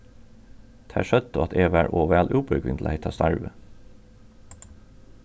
tær søgdu at eg var ov væl útbúgvin til hetta starvið